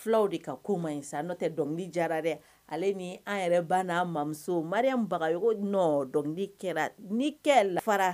Filaw de ka ko in sisan n'o tɛ dɔnkili jara dɛ ale ni an yɛrɛ banna n' mamuso maria baga nɔ dɔnkili kɛra ni kɛra lafa